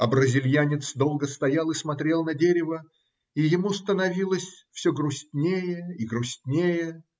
А бразильянец долго стоял и смотрел на дерево, и ему становилось все грустнее и грустнее.